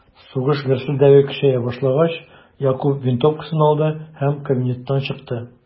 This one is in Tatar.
Сугыш гөрселдәве көчәя башлагач, Якуб винтовкасын алды һәм кабинеттан чыкты.